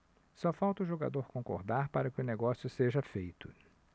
só falta o jogador concordar para que o negócio seja feito